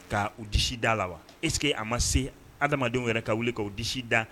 Ka u disi da a la wa est ce que a ma se adamadenw yɛrɛ ka wuli ka u disi daa